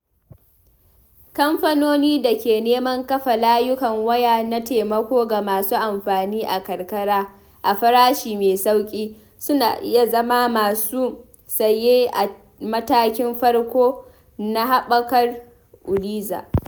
Kamfanoni da ke neman kafa layukan waya na taimako ga masu amfani a karkara a farashi mai sauƙi suna iya zama masu saye a matakin farko na haɓakar Uliza.